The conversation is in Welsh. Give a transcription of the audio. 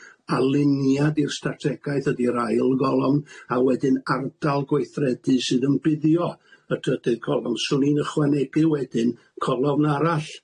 aliniad i'r strategaeth ydi'r ail golofn, a wedyn ardal gweithredu sydd yn buddio, y drydydd colofn. 'Swn i'n ychwanegu wedyn colofn arall